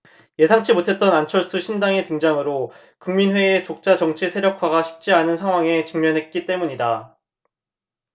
예상치 못했던 안철수 신당의 등장으로 국민회의의 독자 정치세력화가 쉽지 않은 상황에 직면했기 때문이다